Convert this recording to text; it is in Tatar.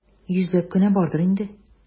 Йөзләп кенә бардыр инде.